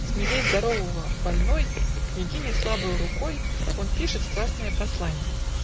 Смелей здорового, больной, Княгине слабою рукой Он пишет страстное посланье.